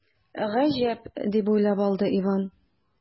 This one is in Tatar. “гаҗәп”, дип уйлап алды иван.